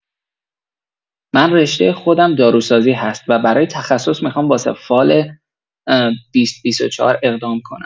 من رشته خودم داروسازی هست و برای تخصص میخوام واسه فال ۲۰۲۴ اقدام کنم